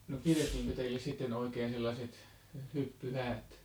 pidettiinkö teille sitten oikein sellaiset hyppyhäät